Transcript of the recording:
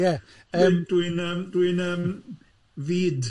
Ie yym... Dwi'n yym dwi'n yym fud.